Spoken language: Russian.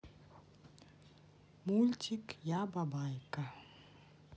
мультик я бабайка